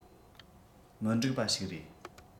མི འགྲིག པ ཞིག རེད